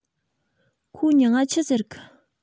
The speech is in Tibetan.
ཁོའི མྱིང ང ཆི ཟེར གི